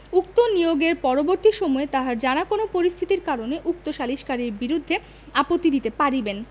উক্ত নিয়োগের পরবর্তি সময়ে তাহার জানা কোন পরিস্থিতির কারণে উক্ত সালিসকারীর বিরুদ্ধে আপত্তি দিতে পারিবেন